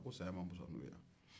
ko saya ma fusa ni o ye wa